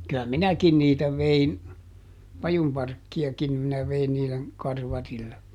kyllä minäkin niitä vein pajunparkkiakin minä vein niiden karvarille